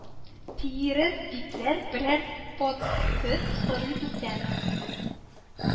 Тирес битләр берәр пот сөт сорый бездән